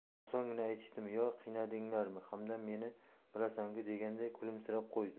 osongina aytishdimi yo qiynadinglarmi hamdam meni bilasan ku deganday kulimsirab qo'ydi